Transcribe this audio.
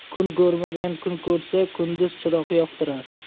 kun ko'rmagan kun ko'rsa kunduz chiroq yoqtirar